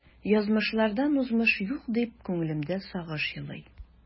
Язмышлардан узмыш юк, дип күңелемдә сагыш елый.